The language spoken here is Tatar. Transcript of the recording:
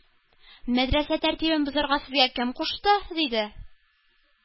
Мәдрәсә тәртибен бозарга сезгә кем кушты? - диде.